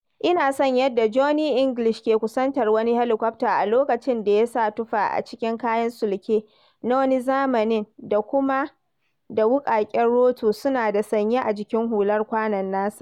Ina son yadda Johnny English ke kusantar wani helikwafta a lokacin da ya sa tufa a cikin kayan sulke na wani zamanin da kuma da wuƙaƙen rotor suna da sanye a jikin hular kwanon nasa.